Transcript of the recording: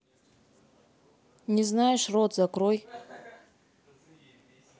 не знаешь рот закрой